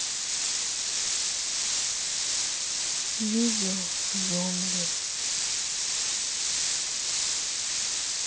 видео зомби